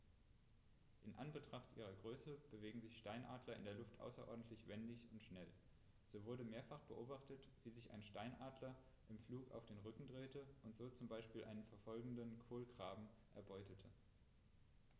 In Anbetracht ihrer Größe bewegen sich Steinadler in der Luft außerordentlich wendig und schnell, so wurde mehrfach beobachtet, wie sich ein Steinadler im Flug auf den Rücken drehte und so zum Beispiel einen verfolgenden Kolkraben erbeutete.